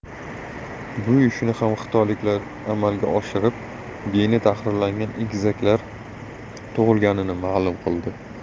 bu ishni ham xitoyliklar amalga oshirib geni tahrirlangan egizaklar tug'ilganini ma'lum qildi